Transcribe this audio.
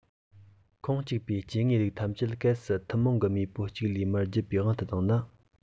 ཁོངས གཅིག པའི སྐྱེ དངོས རིགས ཐམས ཅད གལ སྲིད ཐུན མོང གི མེས པོ གཅིག ལས མར བརྒྱུད པའི དབང དུ བཏང ན